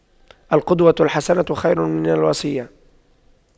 القدوة الحسنة خير من الوصية